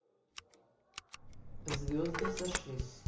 звезды сошлись